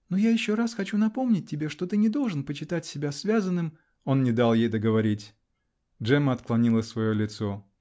но я еще раз хочу напомнить тебе, что ты не должен почитать себя связанным. Он не дал ей договорить. Джемма отклонила свое лицо.